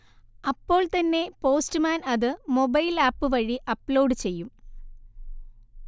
അപ്പോൾത്തന്നെ പോസ്റ്റ്മാൻ അത് മൊബൈൽആപ്പ് വഴി അപ്ലോഡ് ചെയ്യും